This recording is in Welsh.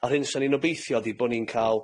A'r hyn 'se ni'n obeithio ydi bo' ni'n ca'l